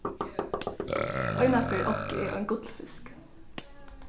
einaferð átti eg ein gullfisk